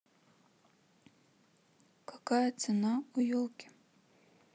какая цена у елки